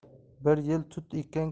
bir yil tut ekkan